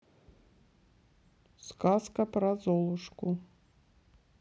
сказка про золушку